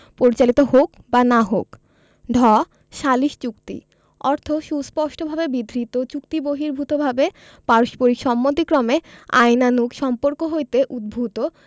পরিচালিত হউক বা না হউক ঢ সালিস চুক্তি অর্থ সুস্পষ্টভাবে বিধৃত চুক্তিবহির্ভুতভাবে পারস্পরিক সম্মতিক্রমে আইনানুগ সম্পর্ক হইতে উদ্ভুত